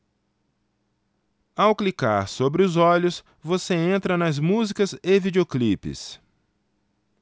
ao clicar sobre os olhos você entra nas músicas e videoclipes